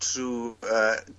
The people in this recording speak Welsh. trw yy